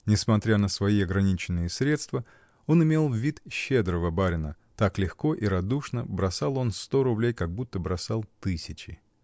Несмотря на свои ограниченные средства, он имел вид щедрого барина: так легко и радушно бросал он сто рублей, как будто бросал тысячи.